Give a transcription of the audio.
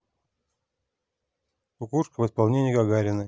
кукушка в исполнении гагариной